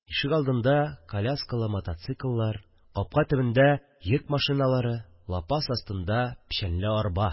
Ишегалдында – коляскалы мотоцикллар, капка төбендә – йөк машиналары, лапас астында – печәнле арба